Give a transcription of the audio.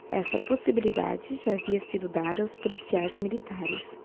essa possibilidade já havia sido dada aos policiais militares